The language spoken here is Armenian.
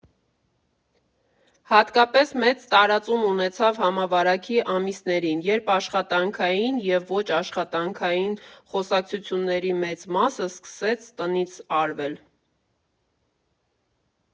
Հատկապես մեծ տարածում ունեցավ համավարակի ամիսներին, երբ աշխատանքային և ոչ աշխատանքային խոսակցությունների մեծ մասը սկսեց տնից արվել։